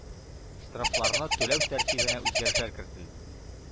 Штрафларны түләү тәртибенә үзгәрешләр кертелде.